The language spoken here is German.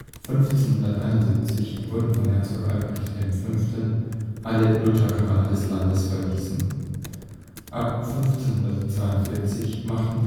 1571 wurden von Herzog Albrecht V. alle Lutheraner des Landes verwiesen. Ab 1542 machten